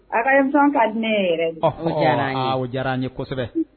A ka ka ne yɛrɛ diyara nka o diyara n ye kosɛbɛ